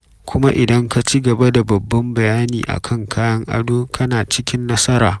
Kuma idan ka ci gaba da babban bayani a kan kayan ado - kana cikin nasara.